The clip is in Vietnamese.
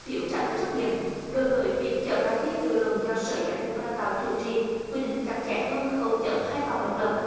phiếu trả lời trắc nghiệm đối với việc chấm bài thi tự luận do sở giáo dục và đào tạo chủ trì quy định chặt chẽ hơn khâu chấm hai vòng độc lập